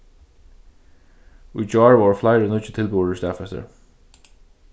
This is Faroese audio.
í gjár vóru fleiri nýggir tilburðir staðfestir